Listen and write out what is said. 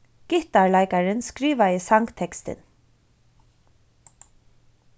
gittarleikarin skrivaði sangtekstin